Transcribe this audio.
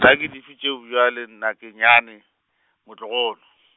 na ke di fe tšeo bjale na ke nnyane, motlogolo?